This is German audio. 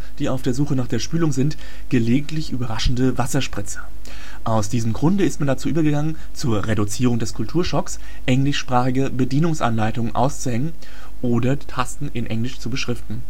Spülung sind, gelegentlich überraschende Wasserspritzer. Aus diesem Grunde ist man dazu übergegangen, zur Reduzierung des Kulturschocks englischsprachige Bedienungsanleitungen auszuhängen oder Tasten in Englisch zu beschriften